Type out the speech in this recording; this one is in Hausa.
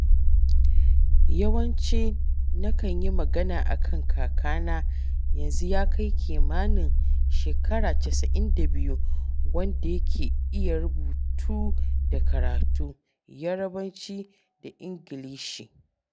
Yawanci nakan yi magana a kan kakana ( yanzu ya kai kimanin 92), wanda yake iya rubutu da karatun Yarbanci ba Ingilishi ba.